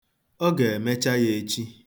Ọ ga-emecha ya echi.